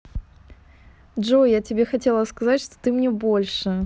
джой я тебе хотела сказать что ты мне больше